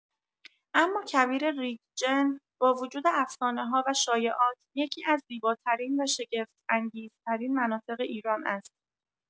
اما کویر ریگ جن، با وجود افسانه‌ها و شایعات، یکی‌از زیباترین و شگفت‌انگیزترین مناطق ایران است.